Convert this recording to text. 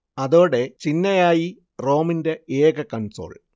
അതോടേ ചിന്നയായി റോമിന്റെ ഏക കോൺസുൾ